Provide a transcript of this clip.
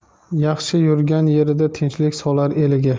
yaxshi yurgan yerida tinchlik solar eliga